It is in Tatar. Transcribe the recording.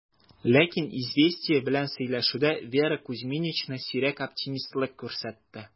Ләкин "Известия" белән сөйләшүдә Вера Кузьминична сирәк оптимистлык күрсәтте: